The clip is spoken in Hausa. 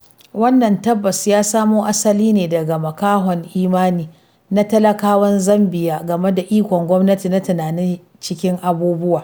Wannan tabbas ya samo asali ne daga “makahon imani” na talakawan Zambiya game da ikon gwamnati na tunani cikin abubuwa.